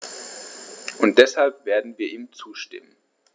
Und deshalb werden wir ihm zustimmen.